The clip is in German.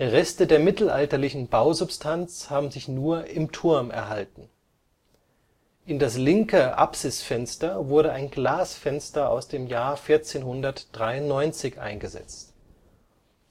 Reste der mittelalterlichen Bausubstanz haben sich nur im Turm erhalten. In das linke Apsisfenster wurde ein Glasfenster aus dem Jahr 1493 eingesetzt.